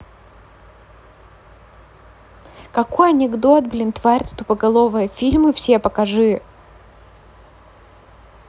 какой анекдот блять тварь ты тупоголовая фильмы все покажи